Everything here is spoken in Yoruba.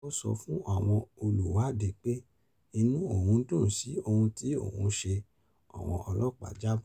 Ó sọ fún àwọn olùwádì pé inú òun dùn sí ohun tí òun ṣe, àwọn ọlọ́pàá jábọ̀.